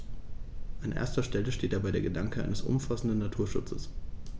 An erster Stelle steht dabei der Gedanke eines umfassenden Naturschutzes.